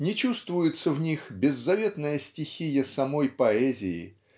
Не чувствуется в них беззаветная стихия самой поэзии